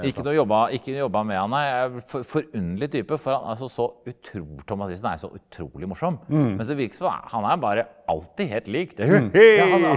ikke noe jobba ikke jobba med han nei jeg forunderlig type for han er altså så Tom Mathisen er er jo så utrolig morsom, men så virker det som han er han er bare alltid helt lik .